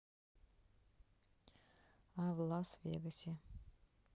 а в лас вегасе